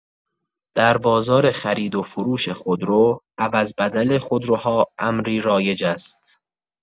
در بازار خرید و فروش خودرو، عوض‌بدل خودروها امری رایج است.